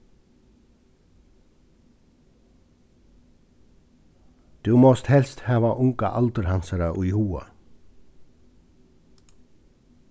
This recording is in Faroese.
tú mást helst hava unga aldur hansara í huga